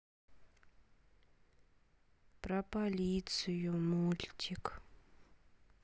про полицию мультик